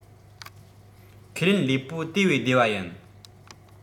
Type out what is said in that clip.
ཁས ལེན ལུས པོ དེ བས བདེ བ ཡིན